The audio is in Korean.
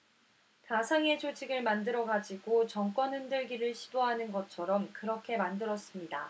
가상의 조직을 만들어 가지고 정권 흔들기를 시도하는 것처럼 그렇게 만들었습니다